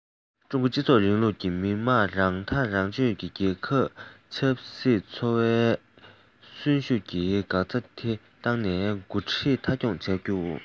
ཀྲུང གོར སྤྱི ཚོགས རིང ལུགས ཀྱི མི དམངས ཀྱིས རང ཐག རང གཅོད རྒྱལ ཁབ ཀྱི ཆབ སྲིད འཚོ བ གསོན ཤུགས ཀྱིས འགག རྩ དེ ཏང གི འགོ ཁྲིད མཐའ འཁྱོངས བྱ རྒྱུ དང